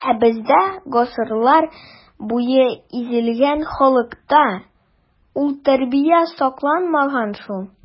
Ә бездә, гасырлар буе изелгән халыкта, ул тәрбия сакланмаган шул.